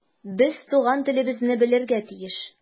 Без туган телебезне белергә тиеш.